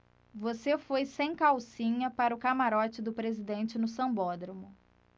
você foi sem calcinha para o camarote do presidente no sambódromo